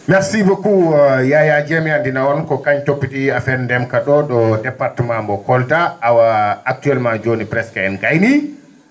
merci beaucoup Yaya Dieng mi andina on ko kañum toppiti affaire ndemka ?o ?o département mbo Kolda awa actuellement jooni presque en gayni